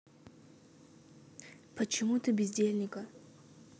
почему ты бездельника